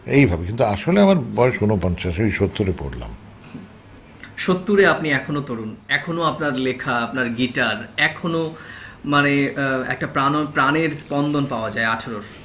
এইভাবে কিন্তু আসলে আমার বয়স ৪৯ এই ৭০ এ পড়লাম ৭০ এ আপনি এখনও তরুণ এখনো আপনার লেখা আপনার গীটার এখনো মানে একটা প্রাণের স্পন্দন পাওয়া যায় আঠারোর